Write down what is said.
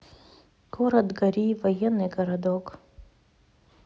город гори военный городок